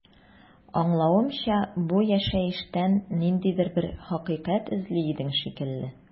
Аңлавымча, бу яшәештән ниндидер бер хакыйкать эзли идең шикелле.